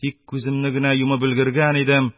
Ик күземне генә йомып өлгергән идем,